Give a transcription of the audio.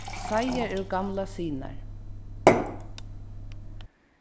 seigar eru gamlar sinar